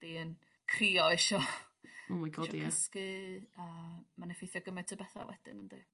di yn crio isio ... Oh my God ia. ...trio cysgu a ma'n effeithio gymaint o betha wedyn yndi?